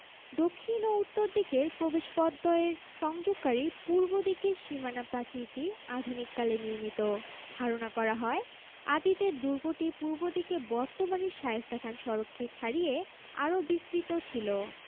দক্ষিণ ও উত্তর দিকের প্রবেশপথদ্বয়ের সংযোগকারী পূর্ব দিকের সীমানা প্রাচীরটি আধুনিক কালে নির্মিত ধারণা করা হয় আদিতে দুর্গটি পূর্ব দিকে বর্তমানের শায়েস্তা খান সড়ককে ছাড়িয়ে আরও বিস্তৃত ছিল